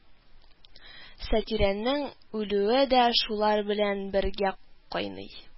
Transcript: Сатирәнең үлүе дә шулар белән бергә кайный